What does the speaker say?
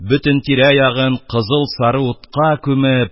Бөтен тирә-ягын кызыл-сары утка күмеп